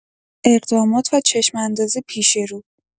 اقدامات و چشم‌انداز پیش‌رو